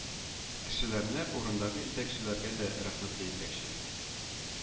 Кешеләренә, урындагы итәкчеләргә дә рәхмәтле итәкче